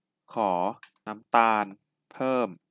ขอน้ำตาลเพิ่ม